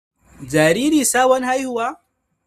Jariri sabon haihuwa?